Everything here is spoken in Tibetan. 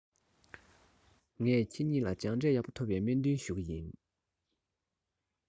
ངས ཁྱེད གཉིས ལ སྦྱངས འབྲས ཡག པོ ཐོབ པའི སྨོན འདུན ཞུ གི ཡིན